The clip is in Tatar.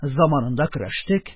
Заманында көрәштек,